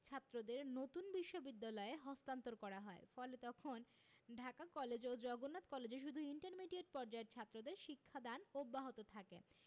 ছাত্রদের নতুন বিশ্ববিদ্যালয়ে হস্থানন্তর করা হয় ফলে তখন ঢাকা কলেজ ও জগন্নাথ কলেজে শুধু ইন্টারমিডিয়েট পর্যায়ের ছাত্রদের শিক্ষাদান অব্যাহত থাকে